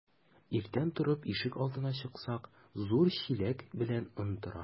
Иртән торып ишек алдына чыксак, зур чиләк белән он тора.